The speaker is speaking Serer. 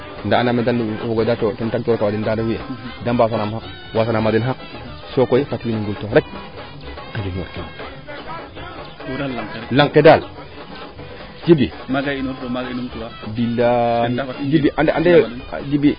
nda anda me daal o fogole kem tag toor ka fo den ten ref yee de mbasanaam xaq wasanaama den xaq sokoy fat i ngultoox rek njiñoor teen laŋ ke daal Djiby maaga i inoor tu maaga i numtu waa bilaay Djiby ande